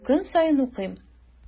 Һәм көн саен укыйм.